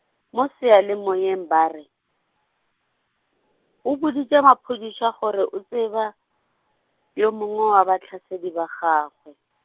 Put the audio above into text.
mo seyalemoyeng ba re, o boditše maphodisa gore o tseba, yo mongwe wa bahlasedi ba gagwe.